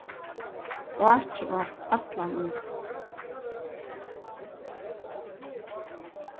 áki át allan ísin